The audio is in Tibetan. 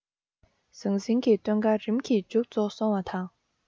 ཟང ཟིང གི སྟོན ཀ རིམ གྱིས མཇུག རྫོགས སོང བ དང